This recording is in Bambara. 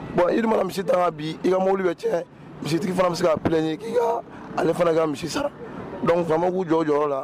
Bon i dun mana misi ta ka bin i ka mobili bɛ tiɲɛ misitigi fana bɛ se ka plɛɲe k'i kaa ale fana ka misi sara donc faama u k'u jɔ u jɔyɔrɔ la